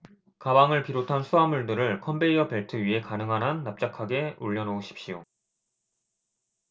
가방을 비롯한 수하물들을 컨베이어 벨트 위에 가능한 한 납작하게 올려놓으십시오